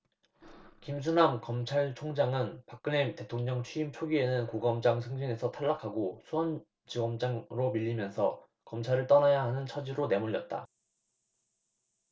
김수남 검찰총장은 박근혜 대통령 취임 초기에는 고검장 승진에서 탈락하고 수원지검장으로 밀리면서 검찰을 떠나야 하는 처지로 내몰렸다